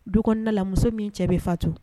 Du kɔnɔna na muso min cɛ bɛ fatu